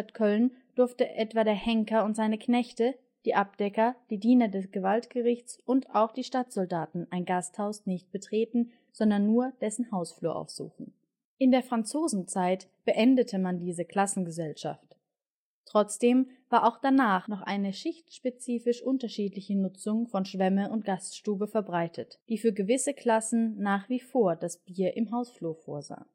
Köln durften etwa der Henker und seine Knechte, die Abdecker, die Diener des Gewaltgerichts und auch die Stadtsoldaten ein Gasthaus nicht betreten, sondern nur dessen Hausflur aufsuchen. In der Franzosenzeit beendete man diese „ Klassengesellschaft “. Trotzdem war auch danach noch eine schichtspezifisch unterschiedliche Nutzung von Schwemme und Gaststube verbreitet, die für „ gewisse Klassen “nach wie vor das Bier im Hausflur vorsah